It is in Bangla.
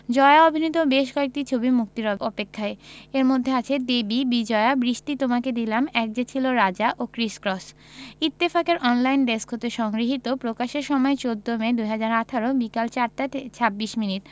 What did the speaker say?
জয়া অভিনীত বেশ কয়েকটি ছবি মুক্তির অপেক্ষায় এর মধ্যে আছে দেবী বিজয়া বৃষ্টি তোমাকে দিলাম এক যে ছিল রাজা ও ক্রিস ক্রস ইত্তেফাক এর অনলাইন ডেস্ক হতে সংগৃহীত প্রকাশের সময় ১৪মে ২০১৮ বিকেল ৪টা ২৬ মিনিট